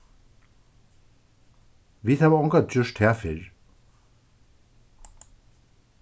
vit hava ongantíð gjørt tað fyrr